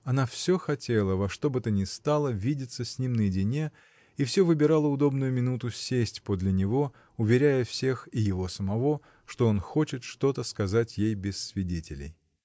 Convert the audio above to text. Она всё хотела во что бы то ни стало видеться с ним наедине и всё выбирала удобную минуту сесть подле него, уверяя всех и его самого, что он хочет что-то сказать ей без свидетелей.